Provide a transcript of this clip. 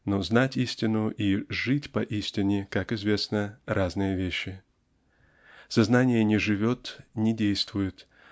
Но знать истину и жить по истине, как известно, разные вещи. Сознание не живет, не действует